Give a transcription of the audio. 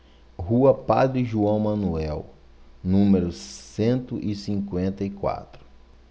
rua padre joão manuel número cento e cinquenta e quatro